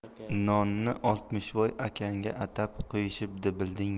nonni oltmishvoy akangga atab qo'yishibdi bildingmi